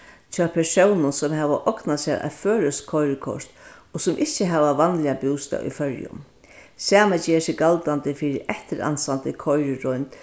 hjá persónum sum hava ognað sær eitt føroyskt koyrikort og sum ikki hava vanligan bústað í føroyum sama ger seg galdandi fyri eftiransandi koyriroynd